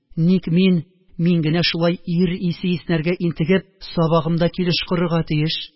Ник мин... мин генә шулай ир исе иснәргә интегеп, сабагымда килеш корырга тиеш?